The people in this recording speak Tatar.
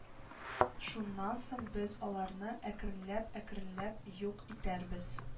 Шуннан соң без аларны әкренләп-әкренләп юк итәрбез